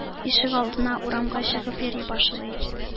Ишегалдына, урамга чыгып йөри башлый.